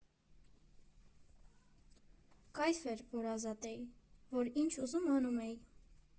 Կայֆ էր, որ ազատ էի, որ ինչ ուզում, անում էի։